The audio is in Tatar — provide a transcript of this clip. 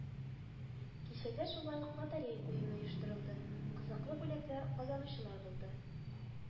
Кичәдә шулай ук лотерея уены оештырылды, кызыклы бүләкләр казанучылар булды